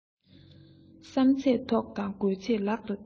བསམ ཚད ཐོག དང དགོས ཚད ལག ཏུ ཐེབས